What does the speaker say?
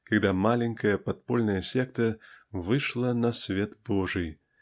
когда маленькая подпольная секта вышла на свет Божий